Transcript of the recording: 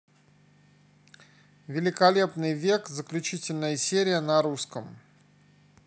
великолепный век заключительная серия на русском